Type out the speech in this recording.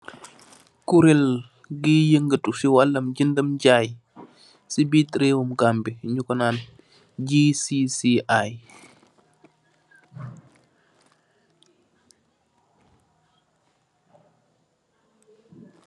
Kurel guy yëngu ci waalum ñyëndak ñyaay, si rewum Gambi, ñu naan ko "GCCI",